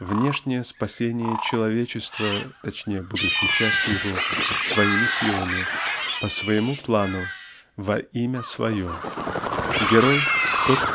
внешнее спасение человечества (точнее будущей части его) своими силами по своему плану "во имя свое" герой -- тот